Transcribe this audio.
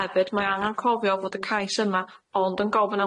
Hefyd mae angan cofio fod y cais yma ond yn gofyn